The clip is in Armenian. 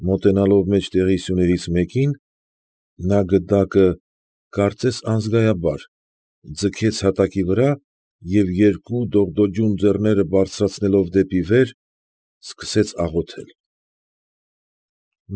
Մոտենալով մեջտեղի սյուներից մեկին, նա գդակը, կարծես անզգայաբար, ձգեց հատակի վրա և երկու դողդոջուն ձեռները բարձրացնելով դեպի վեր, սկսեց աղոթել։